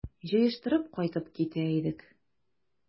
Җыештырып кайтып китә идек...